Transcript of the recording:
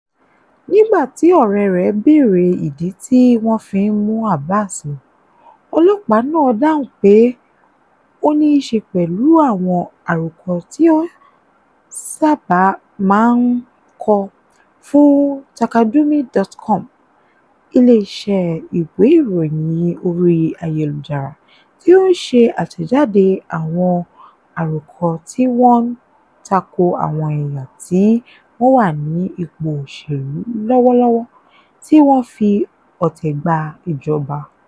Nígbà tí ọ̀rẹ́ rẹ̀ bèèrè ìdí tí wọ́n fi ń mú Abbass lọ, ọlọ́pàá náà dáhùn pé ó níí ṣe pẹ̀lú àwọn àròkọ tí ó sábà máa ń kọ fún Taqadoumy.com, ilé-iṣẹ́ ìwé ìròyìn orí ayélujára tí ó ń ṣe àtẹ̀jáde àwọn àròkọ tí wọ́n ń tako àwọn èèyàn tí wọ́n wà ní ipò òṣèlú lọ́wọ́lọ́wọ́ tí wọ́n fi ọ̀tẹ̀ gba ìjọba.